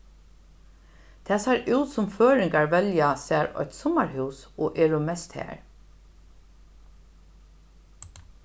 tað sær út sum føroyingar velja sær eitt summarhús og eru mest har